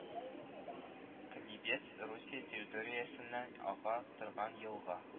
Каливец Русия территориясеннән ага торган елга